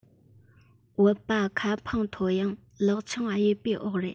སྦུད པ ཁ འཕང མཐོ ཡང ལག ཆུང གཡས པའི འོག རེད